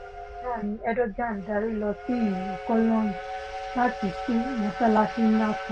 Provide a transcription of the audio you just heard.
Lẹ́yìn náà ni Erdogan dári lọ sí ìlú Cologne láti sí mọ́sálásí ńlá kan.